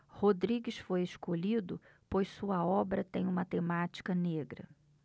rodrigues foi escolhido pois sua obra tem uma temática negra